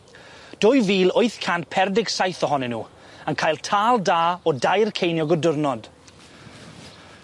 Dwy fil wyth cant pere deg saith ohonyn nw yn cael tâl da o dair ceiniog y diwrnod.